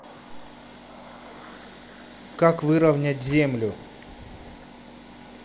как выровнять землю